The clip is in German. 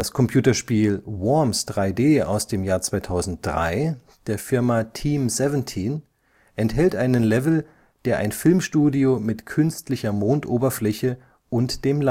Computerspiel Worms 3D (2003) der Firma Team 17 enthält einen Level, der ein Filmstudio mit künstlicher Mondoberfläche und dem